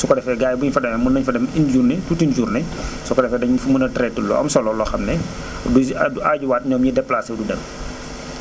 su ko defee gars yi bu ñu fa demee mën nañ fa dem une journée tout une journée su ko defee dañuy fa mën a traité lu am solo loo xam ne du si aaj du aajuwaat ñoom ñuy déplacé wu di dem